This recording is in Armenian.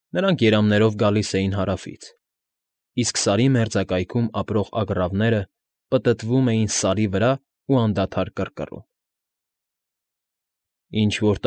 Նրանք երամներով գալիս էին հարավից, իսկ Սարի մերձակայքում ապրող ագռավները պտտվում էին Սարի վրա ու անդադար կռկռում։ ֊Ինչ֊որ։